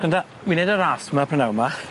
Granda wi'n neud y ras ma' prynawn 'ma.